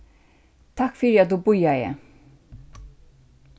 takk fyri at tú bíðaði